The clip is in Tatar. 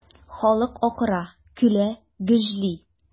Халык акыра, көлә, гөжли.